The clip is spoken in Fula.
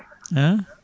an